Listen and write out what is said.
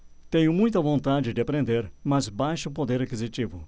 tenho muita vontade de aprender mas baixo poder aquisitivo